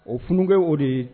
O funukɛ o de ye